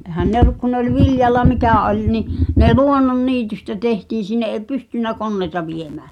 eihän ne ollut kun ne oli viljalla mikä oli niin ne luonnonniitystä tehtiin sinne ei pystynyt koneita viemään